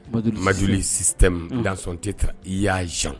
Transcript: Madiouli système dans son titre Iyajan